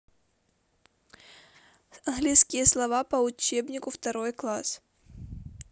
английские слова по учебнику второй класс